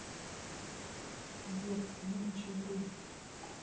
сбер выключи игру